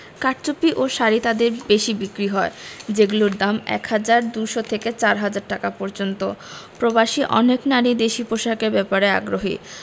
কারচুপি ও শাড়ি তাঁদের বেশি বিক্রি হয় যেগুলোর দাম ১ হাজার ২০০ থেকে ৪ হাজার টাকা পর্যন্ত প্রবাসী অনেক নারীই দেশি পোশাকের ব্যাপারে আগ্রহী